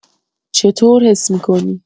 چطور حس می‌کنی؟